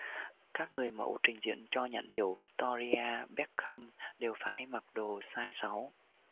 các người mẫu trình diễn cho nhãn hiệu victoria beckham đều phải mặc đồ size sáu